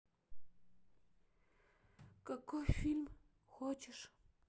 какой фильм хочешь